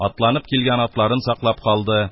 Атланып килгән атларыны саклап калды.